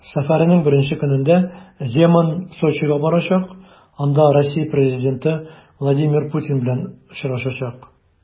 Сәфәренең беренче көнендә Земан Сочига барачак, анда Россия президенты Владимир Путин белән очрашачак.